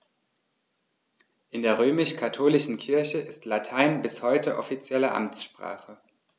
In der römisch-katholischen Kirche ist Latein bis heute offizielle Amtssprache.